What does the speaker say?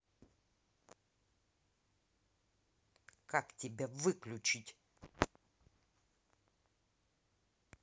как тебя выключить